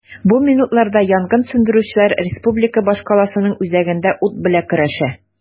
Бу минутларда янгын сүндерүчеләр республика башкаласының үзәгендә ут белән көрәшә.